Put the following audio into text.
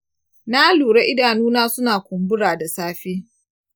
na lura idanuna suna kumbura da safe